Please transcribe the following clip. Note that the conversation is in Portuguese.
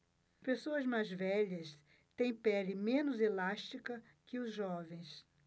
pessoas mais velhas têm pele menos elástica que os jovens